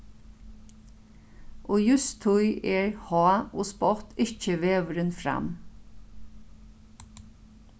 og júst tí er háð og spott ikki vegurin fram